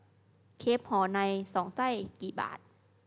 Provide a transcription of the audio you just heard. เครปหอในสองไส้กี่บาท